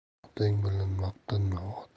otang bilan maqtanma